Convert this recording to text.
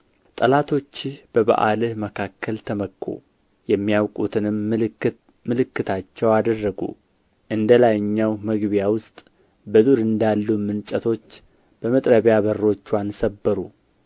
ጠላቶችህ በበዓል መካከል ተመኩ የማያውቁትንም ምልክት ምልክታቸው አደረጉ እንደ ላይኛው መግቢያ ውስጥ በዱር እንዳሉም እንጨቶች በመጥረቢያ በሮችዋን ሰበሩ